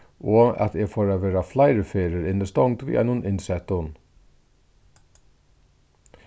og at eg fór at vera fleiri ferðir innistongd við einum innsettum